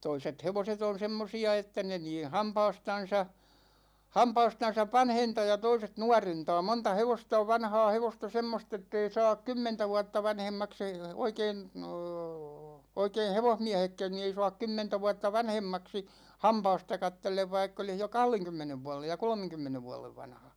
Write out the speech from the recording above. toiset hevoset on semmoisia että ne niin hampaastansa hampaastansa vanhentaa ja toiset nuorentaa monta hevosta on vanhaa hevosta semmoista että ei saa kymmentä vuotta vanhemmaksi ei oikein oikein hevosmiehetkään niin ei saa kymmentä vuotta vanhemmaksi hampaasta katsellen vaikka olisi jo kahdenkymmenen vuoden ja kolmenkymmenen vuoden vanha